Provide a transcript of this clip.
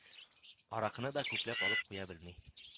Аракыны да күпләп алып куя белми